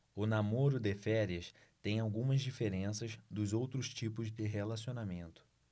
o namoro de férias tem algumas diferenças dos outros tipos de relacionamento